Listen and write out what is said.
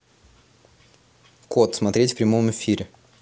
кот смотреть в прямом эфире